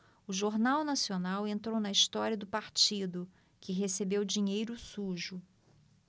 o jornal nacional entrou na história do partido que recebeu dinheiro sujo